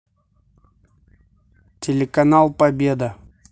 телеканал победа